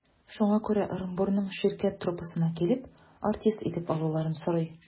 Шуңа күрә Ырынбурның «Ширкәт» труппасына килеп, артист итеп алуларын сорый.